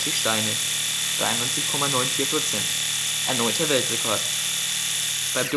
Steine (93,94 %)- erneuter Weltrekord. Beim